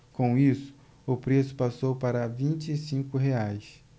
com isso o preço passou para vinte e cinco reais